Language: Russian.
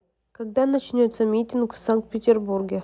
когда начнется митинг в санкт петербурге